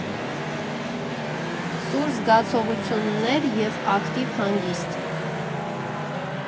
Սուր զգացողություններ և ակտիվ հանգիստ։